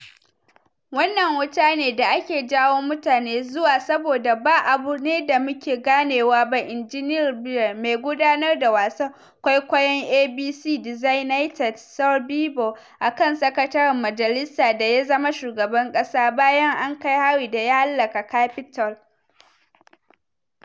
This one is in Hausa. “Wannan wuta ne da ake jawo mutane zuwa saboda ba abu ne da muke ganewa ba,” inji Neal Baer, mai gudanar da wasan kwaikwayon ABC “Designated Survivor”, akan sakataren majalisa da ya zama shugaban kasa bayan an kai hari da ya hallaka Capitol.